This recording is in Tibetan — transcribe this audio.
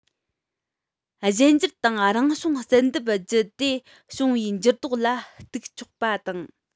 གཞན འགྱུར དང རང བྱུང བསལ འདེམས བརྒྱུད དེ བྱུང བའི འགྱུར ལྡོག ལ གཏུག ཆོག པ དང